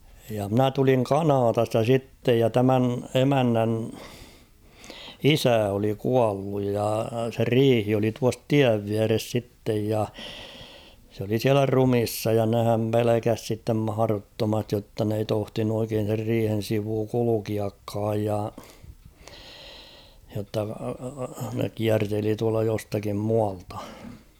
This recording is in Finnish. ja minä tulin Kanadasta sitten ja tämän emännän isä oli kuollut ja se riihi oli tuossa tien vieressä sitten ja se oli siellä ruumiina ja nehän pelkäsi sitten mahdottomasti jotta ne ei tohtinut oikein sen riihen sivu kulkeakaan ja jotta ne kierteli tuolta jostakin muualta